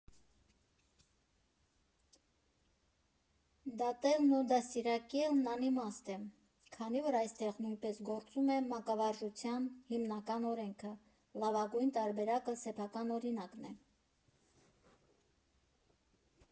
Դատելն ու դաստիարակելն անիմաստ է, քանի որ այստեղ նույնպես գործում է մանկավարժության հիմնական օրենքը՝ լավագույն տարբերակը սեփական օրինակն է։